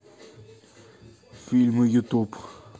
фильмы ютуб